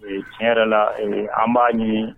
Ee tiɲɛ yɛrɛ la an b'a ɲini